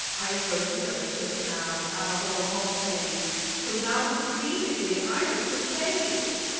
I'm going to jump ship nawr. A mae pobl yn hoffi Paige. So nawr, conveniently, I'm into Paige.